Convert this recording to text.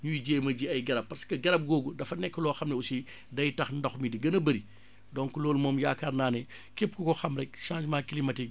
ñuy jéem a ji ay garab parce que garab googu dafa nekk loo xam ne aussi day tax ndox mi di gën a bari donc loolu moom yaakaar naa ne képp ku ko xam rekk changement climatique bi